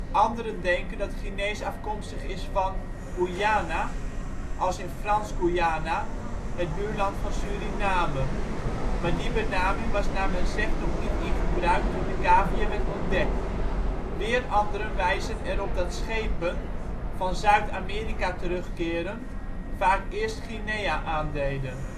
Anderen denken dat ' Guinees ' afkomstig is van ' Guyana ' (als in Frans-Guyana, buurland van Suriname) maar die benaming was naar men zegt nog niet in gebruik toen de cavia werd ontdekt; weer anderen wijzen erop dat schepen, van Zuid-Amerika terugkerend, vaak eerst Guinea aandeden